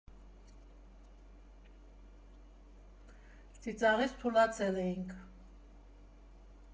Ծիծաղից թուլացել էինք։